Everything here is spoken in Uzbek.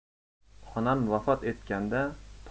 onam vafot etganda toy